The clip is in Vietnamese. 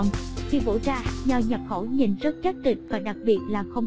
khi bổ ra nho nhập khẩu nhìn rất chắc thịt và đặc biệt là không có hạt